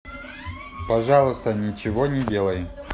пожалуйста ничего не делай